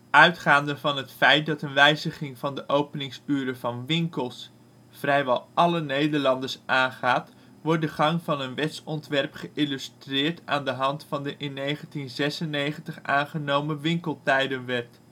Uitgaande van het feit dat een wijziging van de openingsuren van winkels vrijwel alle Nederlanders aangaat wordt de gang van een wetsontwerp geïllustreerd aan de hand van de in 1996 aangenomen Winkeltijdenwet